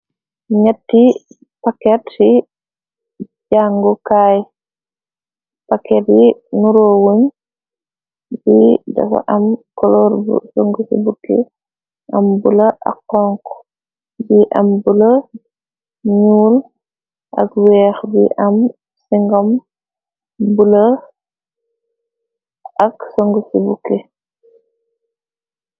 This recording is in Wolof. Nyetti paket ci jàngukaay paket yi nuro wuñ bi dafa am coloor bu song ci bukki. Am bula ak xonk bi am bula nuul ak weex. Bi am singom bulë ak song ci bukki.